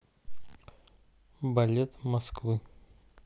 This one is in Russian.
балет москвы